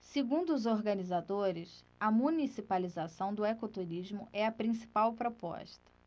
segundo os organizadores a municipalização do ecoturismo é a principal proposta